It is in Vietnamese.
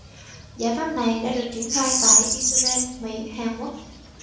giải pháp này đã được triển khai tại israel mỹ hàn quốc